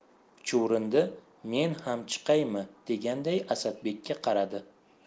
chuvrindi men ham chiqaymi deganday asadbekka qaradi